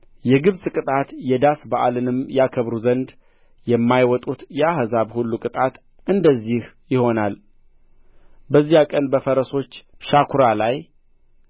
የግብጽ ቅጣት የዳስ በዓልንም ያከብሩ ዘንድ የማይወጡት የአሕዛብ ሁሉ ቅጣት እንደዚህ ይሆናል በዚያ ቀን በፈረሶች ሻኵራ ላይ